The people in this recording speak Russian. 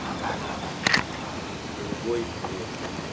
другой мир